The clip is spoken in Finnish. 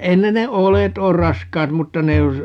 ei ne ne oljet ole raskaat mutta ne jos